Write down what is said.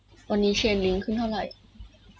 วันนี้เชนลิ้งขึ้นเท่าไหร่